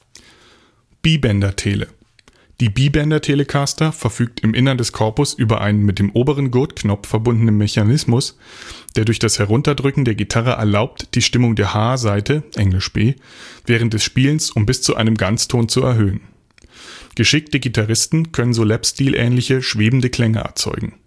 B-Bender Tele – Die B-Bender Telecaster verfügt im Innern des Korpus über einen mit dem oberen Gurtknopf verbundenen Mechanismus, der durch das Herunterdrücken der Gitarre erlaubt, die Stimmung der h-Saite (engl. b) während des Spielens um bis zu einem Ganzton zu erhöhen. Geschickte Gitarristen können so Lapsteel-ähnliche schwebende Klänge erzeugen